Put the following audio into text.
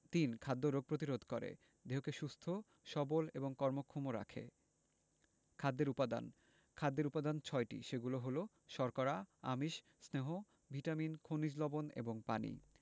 ৩. খাদ্য রোগ প্রতিরোধ করে দেহকে সুস্থ সবল এবং কর্মক্ষম রাখে খাদ্যের উপাদান খাদ্যের উপাদান ছয়টি সেগুলো হলো শর্করা আমিষ স্নেহ ভিটামিন খনিজ লবন এবং পানি